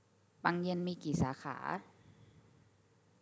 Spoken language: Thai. ปังเย็นมีกี่สาขา